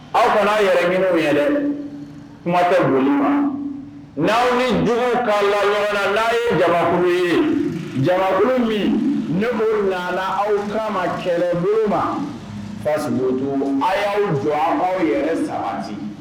Aw kana' yɛrɛ ɲiniw ye dɛ kuma tɛ boli ma n'aw ni j ka la yɔrɔla n'a ye jabakuru ye jakuru min ne' ɲ aw kan kɛlɛ muru ma fatu a y'aw jɔ aw aw yɛrɛ sabati